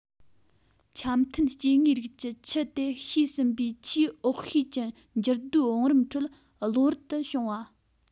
ཆ མཐུན སྐྱེ དངོས རིགས ཀྱི ཁྱུ དེ ཤེས ཟིན པའི ཆེས འོག ཤོས ཀྱི འགྱུར རྡོའི བང རིམ ཁྲོད གློ བུར དུ བྱུང བ